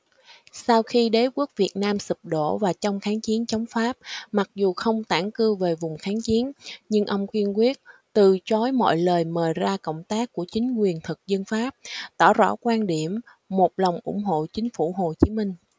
sau khi đế quốc việt nam sụp đổ và trong kháng chiến chống pháp mặc dù không tản cư về vùng kháng chiến nhưng ông kiên quyết từ chối mọi lời mời ra cộng tác của chính quyền thực dân pháp tỏ rõ quan điểm một lòng ủng hộ chính phủ hồ chí minh